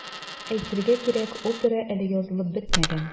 Әйтергә кирәк, опера әле язылып бетмәгән.